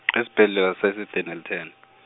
esibhedlela sase- Dennilton.